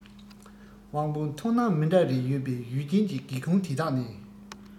དབང པོའི མཐོང སྣང མི འདྲ རེ ཡོད པའི ཡུལ ཅན གྱི སྒེའུ ཁུང དེ དག ནས